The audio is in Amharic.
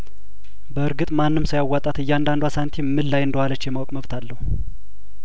በእርግጥ ማንም ሰው ያዋጣት እያንዳንዷ ሳንቲምምን ላይ እንደዋለች የማወቅ መብት አለው